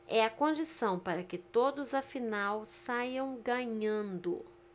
é a condição para que todos afinal saiam ganhando